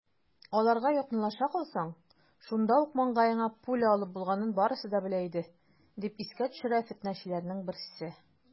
Аларга якынлаша калсаң, шунда ук маңгаеңа пуля алып булганын барысы да белә иде, - дип искә төшерә фетнәчеләрнең берсе.